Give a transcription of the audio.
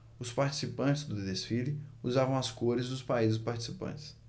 os participantes do desfile usavam as cores dos países participantes